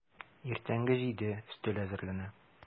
Иртәнге җиде, өстәл әзерләнә.